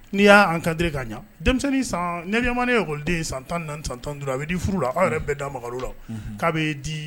N'i y'an kan ka ɲɛ denmisɛnnin sanmani neden ye san tan san tan duuru a bɛ di furu la aw yɛrɛ bɛɛ da mamadu la k'a bɛ di